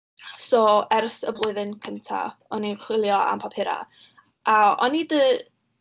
So ers y blwyddyn cyntaf o'n i'n chwilio am papurau, a o'n i dy-